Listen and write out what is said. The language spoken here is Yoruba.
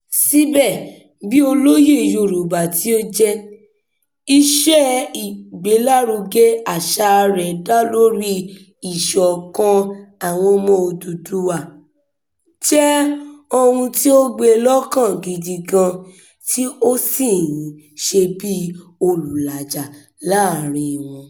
Síbẹ̀, bí olóyè Yorùbá tí ó jẹ́, iṣẹ́ ìgbélárugẹ àṣà rẹ̀ dá lórí ìṣọ̀kan àwọn ọmọ Odùduwà jẹ́ ohun tí ó gbé e lọ́kàn gidi gan-an, tí ó sì ń ṣe bí olùlàjà láàárín wọn.